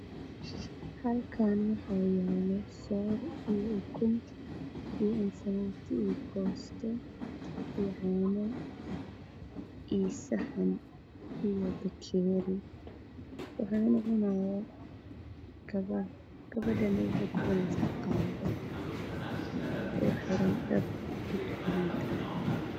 Halkan waa yalo mis wax saran saxan ocada cadan ah waxaa kalosaran kob cabitan kujiro oo ah cano mis kalar kisi waa qahwi